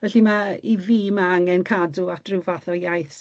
Felly ma' i fi ma' angen cadw at ryw fath o iaith